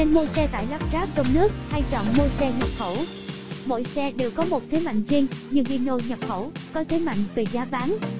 nên mua xe tải lắp ráp trong nước hay chọn mua xe nhập khẩu mỗi xe đều có một thế mạnh riêng như hino nhập khẩu có thế mạnh về giá bán